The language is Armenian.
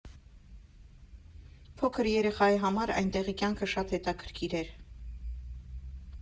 Փոքր երեխայի համար այնտեղի կյանքը շատ հետաքրքիր էր։